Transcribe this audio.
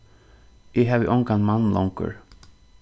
eg havi ongan mann longur